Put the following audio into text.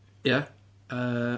Ia yy